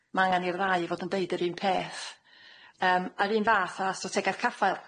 Ma' angan i'r ddau fod yn deud yr un peth. Yym a'r un fath efo strategaeth caffael.